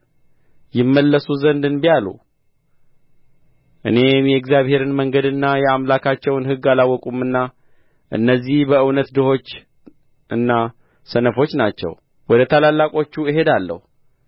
ይመለሱ ዘንድ እንቢ አሉ እኔም የእግዚአብሔርን መንገድና የአምላካቸውን ሕግ አላወቁምና እነዚህ በእውነት ድሆችና ሰነፎች ናቸው ወደ ታላላቆቹ እሄዳለሁ